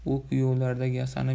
u kuyovlardek yasanib